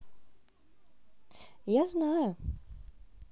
я знаю